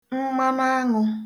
mmanụaṅụ̄